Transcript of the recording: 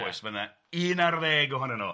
Oes oes mae yna un ar ddeg ohonyn nhw.